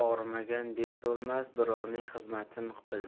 bo'lmas birovning xizmatin bilmas